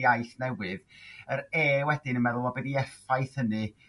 iaith newydd yr ee wedyn yn meddwl o be 'di effaith hynny